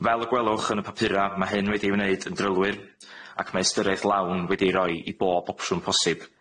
Fel y gwelwch yn y papura' ma' hyn wedi ei wneud yn drylwyr, ac mae ystyriaeth lawn wedi ei roi i bob opsiwn posib.